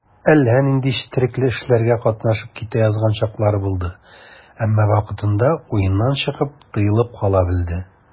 Әллә нинди четрекле эшләргә катнашып китә язган чаклары булды, әмма вакытында уеннан чыгып, тыелып кала белде.